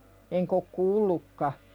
enkä ole kuullutkaan